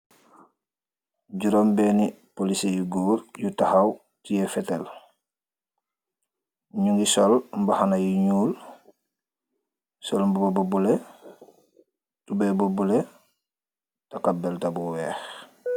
juroom benni polisiyu góor yu taxaw tiyee fetal ñu ngi sol mbaxana yu ñuul sol mbobu bu bulo tubaay bu bulo taka belta bu weex